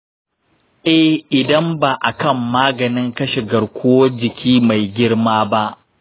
eh, idan ba a kan maganin kashe garkuwar jiki mai girma ba.